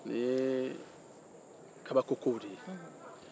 nin ye kabakokow de ye